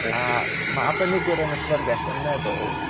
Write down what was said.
A ma' arbenigwyr yn y llyfyrgell yn meddwl